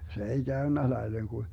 se ei käynyt laille kun